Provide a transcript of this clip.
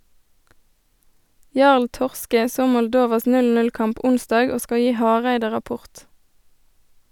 Jarl Torske så Moldovas 0-0-kamp onsdag og skal gi Hareide rapport.